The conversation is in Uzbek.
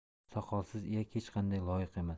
soqolsiz iyak hech qanday loyiq emas